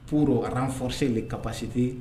pour renforcer les capaciter